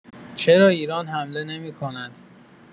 چرا ایران حمله نمی‌کند!